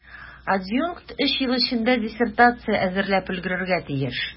Адъюнкт өч ел эчендә диссертация әзерләп өлгерергә тиеш.